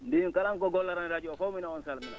mbimi kala ko golloo e radio fof mbi?a on salmina